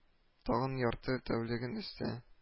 Тагын ярты тәүлеген өстә